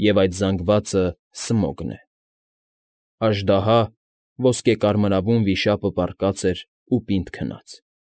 Եվ այդ զանգվածը Սմոգն է։ Աժդահա ոսկեկարմրավուն վիշապը պառկած էր ու պինդ քնած։